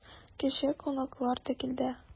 Кичә кунаклар да килде.